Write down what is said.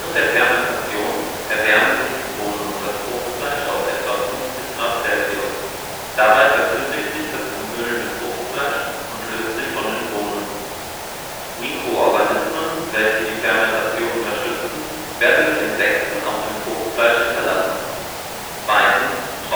der Fermentation erwärmen sich die Bohnen und das Fruchtfleisch auf etwa 50°C; dabei verflüssigt sich das umhüllende Fruchtfleisch und löst sich von den Bohnen. Mikroorganismen, welche die Fermentation unterstützen, werden durch Insekten (Fliegen) auf dem Fruchtfleisch hinterlassen. Trocknen: Die